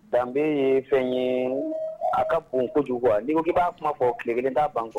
Danbebe ye fɛn ye a ka bon kojugu ni ko i b'a kuma fɔ tile kelen da' bankɔ